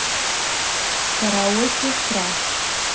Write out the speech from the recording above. караоке краш